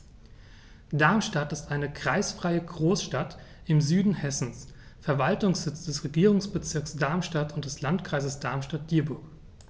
Darmstadt ist eine kreisfreie Großstadt im Süden Hessens, Verwaltungssitz des Regierungsbezirks Darmstadt und des Landkreises Darmstadt-Dieburg.